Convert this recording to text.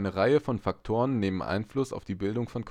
Reihe von Faktoren nehmen Einfluss auf die Bildung von